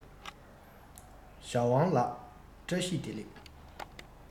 ཞའོ ཝང ལགས བཀྲ ཤིས བདེ ལེགས